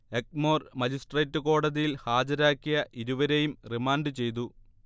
Egmore magistrate കോടതിയിൽ ഹാജരാക്കിയ ഇരുവരെയും റിമാൻഡ് ചെയ്തു